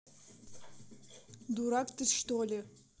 дурак ты что ли